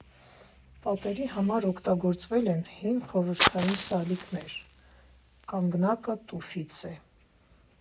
Պատերի համար օգտագործվել են հին խորհրդային սալիկներ, կանգնակը տուֆից է։